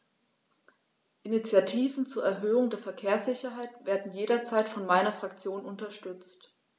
Initiativen zur Erhöhung der Verkehrssicherheit werden jederzeit von meiner Fraktion unterstützt.